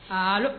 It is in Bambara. Halo